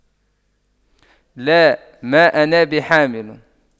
لا ما أنا بحامل